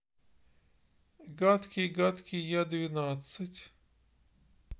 гадкий гадкий я двенадцать